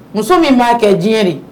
Muso min b'a kɛ diɲɛ